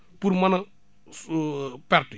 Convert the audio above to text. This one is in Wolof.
pour man a perte